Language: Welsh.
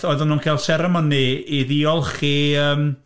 Oedden nhw'n cael seremoni i ddiolch i yym...